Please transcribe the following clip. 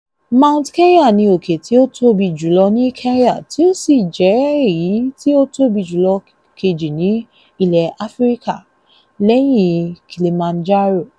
Mount Kenya ni òkè tí ó tóbi jùlọ ní Kenya tí ó sì jẹ́ èyí tí ó tóbi jùlọ kejì ní ilẹ̀ Áfíríkà, lẹ́yìn Kilimanjaro.